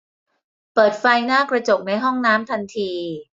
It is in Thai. เปิดไฟหน้ากระจกในห้องน้ำทันที